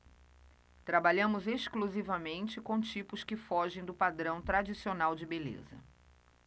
trabalhamos exclusivamente com tipos que fogem do padrão tradicional de beleza